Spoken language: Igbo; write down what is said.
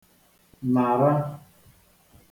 nàra